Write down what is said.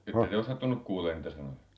ette te ole sattunut kuulemaan niitä sanoja